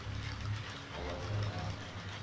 Халатыңа